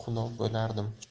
ham xunob bo'lardim